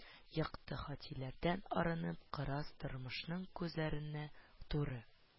Якты хатирәләрдән арынып, кырыс тормышның күзләренә туры